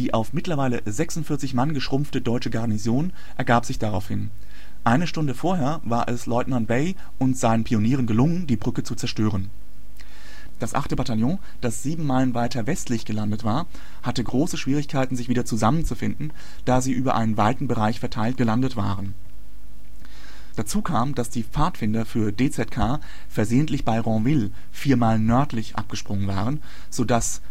auf mittlerweile 46 Mann geschrumpfte deutsche Garnison ergab sich daraufhin. Eine Stunde vorher war es Lieutenant Baille und seinen Pionieren gelungen, die Brücke zu zerstören. Das 8. Bataillon, das sieben Meilen weiter westlich gelandet war, hatte große Schwierigkeiten, sich wieder zusammenzufinden, da sie über einen weiten Bereich verteilt gelandet waren. Dazu kam, dass die Pfadfinder für DZ-K versehentlich bei Ranville, vier Meilen nördlich, abgesprungen waren, so dass